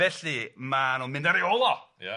Felly ma' nw'n mynd ar 'i ôl o... Ia...